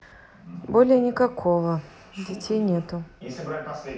более никакого детей нету